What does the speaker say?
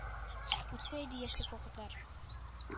Үтсә иде яшьлек вакытлар.